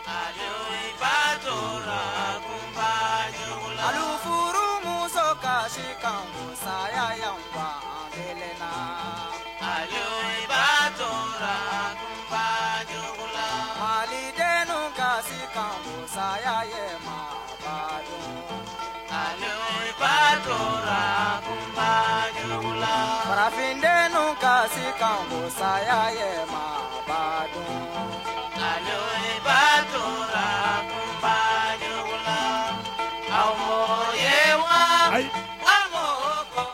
Taj bato la kun bajugulauguuso ka se ka kunsaya yan ba deli la faj batura kun bajugulali den kasi ka kunsaya ye ma bago ta bato kun bajugularafindenw ka se ka kunsaya ye bado taj bato kun bala ka mɔ ye wa